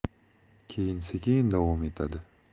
keyin sekin davom etadi